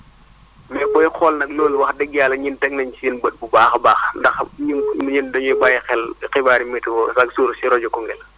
mais booy xool nag loolu wax dëgg yàlla ñun teg nañu si seen bët bu baax a baax ndax ñun dañuy bàyyi xel xibaari météo chaque jour si rajo Koungheul